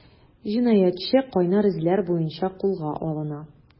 Җинаятьче “кайнар эзләр” буенча кулга алына.